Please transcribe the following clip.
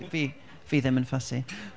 Fi, fi ddim yn fussy.